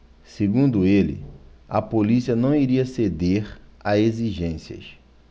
segundo ele a polícia não iria ceder a exigências